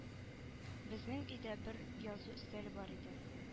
Безнең өйдә бер язу өстәле бар иде